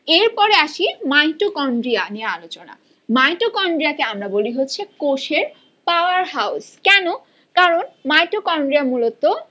এর পরে আসি মাইটোকনড্রিয়া নিয়ে আলোচনা মাইটোকনড্রিয়া কে আমরা বলি হচ্ছে কোষের পাওয়ার হাউস কেন কারণ মাইটোকনড্রিয়া মূলত